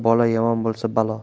yomon bo'lsa balo